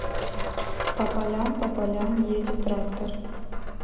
по полям по полям едет трактор